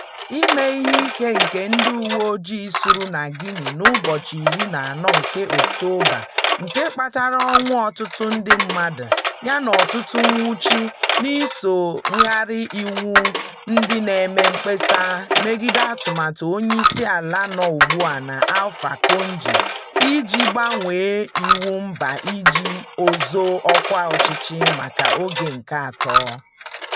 Ime ihe ike nke ndị uwe ojii suru na Guinea n'ụbọchị 14 nke Ọktoba, nke kpatara ọnwu ọtụtụ ndị mmadụ yana ọtụtụ nnwụchi, n'iso ngagharị iwe ndị na-eme mkpesa megide atụmatụ onyeisiala nọ ugbu a bụ Alpha Condé iji gbanwee iwu mba iji zọọ ọkwa ọchịchị maka oge nke atọ.